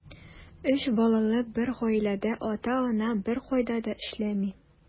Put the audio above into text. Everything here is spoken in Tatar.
Өч балалы бер гаиләдә ата-ана беркайда да эшләми.